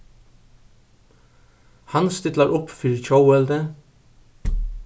hann stillar upp fyri tjóðveldi